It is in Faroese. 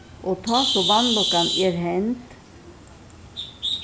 og tá so vanlukkan er hend